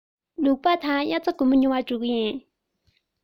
ལུག པགས དང དབྱར རྩྭ དགུན འབུ ཉོ བར འགྲོ གི ཡིན